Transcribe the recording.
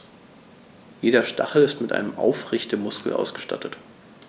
Jeder Stachel ist mit einem Aufrichtemuskel ausgestattet.